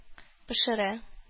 Пешерә